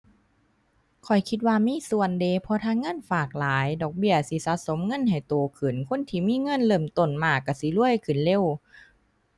ข้อยคิดว่ามีส่วนเดะ เพราะถ้าเงินฝากหลาย ดอกเบี้ยสิสะสมเงินให้โตขึ้น คนที่มีเงินเริ่มต้นมากก็สิรวยขึ้นเร็ว